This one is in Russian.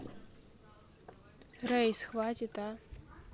race хватит а